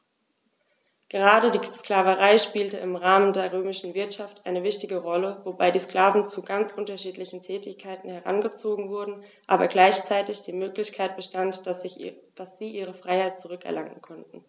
Gerade die Sklaverei spielte im Rahmen der römischen Wirtschaft eine wichtige Rolle, wobei die Sklaven zu ganz unterschiedlichen Tätigkeiten herangezogen wurden, aber gleichzeitig die Möglichkeit bestand, dass sie ihre Freiheit zurück erlangen konnten.